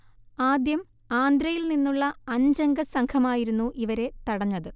ആദ്യം ആന്ധ്രയിൽ നിന്നുള്ള അഞ്ചംഗ സംഘമായിരുന്നു ഇവരെ തടഞ്ഞത്